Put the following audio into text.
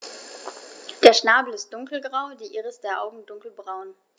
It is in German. Der Schnabel ist dunkelgrau, die Iris der Augen dunkelbraun.